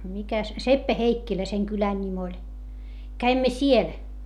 mikä Seppä-Heikkilä sen kylän nimi oli kävimme siellä